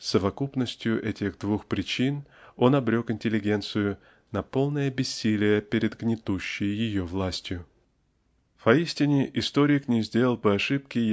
совокупностью этих двух причин он обрек интеллигенцию на полное бессилие перед гнетущей ее властью. Поистине историк не сделал бы ошибки